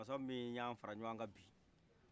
masa min y'a faraɲɔgɔkan bi